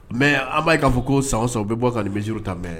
Mai an b'a k'a fɔ ko san o san u bɛ bɔ ka nin mesures ta mais